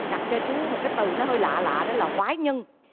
đặt cho chú một cái từ nó hơi lạ lạ đó là quái nhân